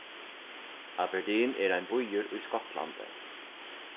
aberdeen er ein býur í skotlandi